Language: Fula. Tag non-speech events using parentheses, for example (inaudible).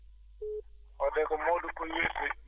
(noise) oo de ko ko Modou Pouy wiyetee